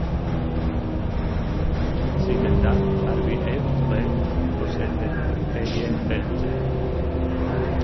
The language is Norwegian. - Siden da har vi øvd og øvd, fortsetter Terje Berntsen.